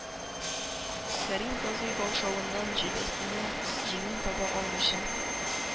Кәрим казый каушавыннан җөббәсенең җиңен таба алмыйча,